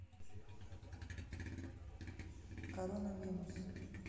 коронаминус